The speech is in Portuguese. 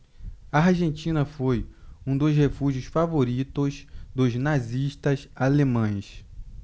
a argentina foi um dos refúgios favoritos dos nazistas alemães